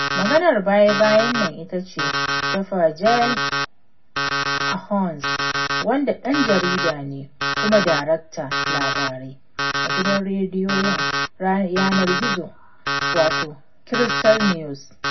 Maganar baya-baya nan ita ce ta Virgile Ahouansè, wanda ɗan jarida ne kuma daraktan labarai na gidan rediyon yanar gizo, wato Crystal News.